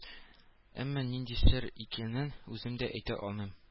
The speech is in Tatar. Әмма нинди сер икәнен үзем дә әйтә алмыйм